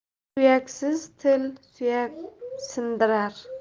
suyaksiz til suyak sindirar